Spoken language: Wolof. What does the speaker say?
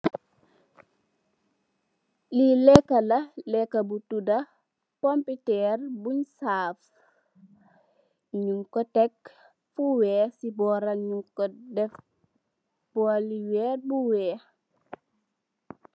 Le lecah la lekah bu todah mompiteer bun saff nu ko teh fu weex ci boram nun ko fa teh bwolli weer bu weex.